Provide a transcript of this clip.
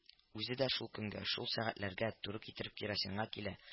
Үзе дә шул көнгә, шул сәгатьләргә туры китереп керосинга килә